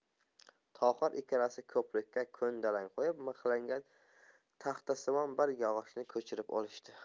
tohir ikkalasi ko'prikka ko'ndalang qo'yib mixlangan taxtasimon bir yog'ochni ko'chirib olishdi